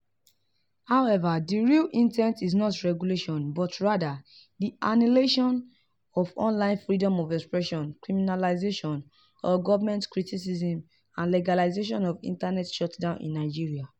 However, the real intent is not regulation, but rather, the annihilation of online freedom of expression, criminalization of government criticism and legalization of internet shutdowns in Nigeria.